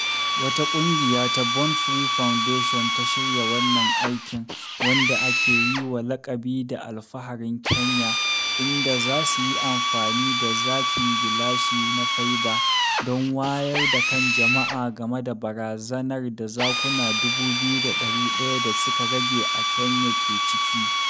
Wata ƙungiya ta Born Free Foundation ta shirya wannan aikin, wanda aka yiwa laƙabi da "Alfaharin Kenya" inda za su yi amfani da zakin gilashi na faiba, don wayar da kan jama’a game da barazanar da zakuna 2,100 da suka rage a Kenya ke ciki .